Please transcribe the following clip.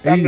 i